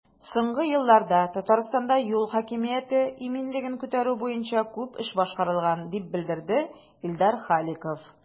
Соңгы елларда Татарстанда юл хәрәкәте иминлеген күтәрү буенча күп эш башкарылган, дип белдерде Илдар Халиков.